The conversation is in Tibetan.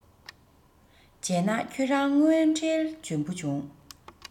བྱས ན ཁྱེད རང དངོས འབྲེལ འཇོན པོ བྱུང